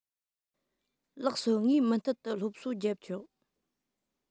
ལགས སོ ངས མུ མཐུད དུ སློབ གསོ རྒྱབ ཆོག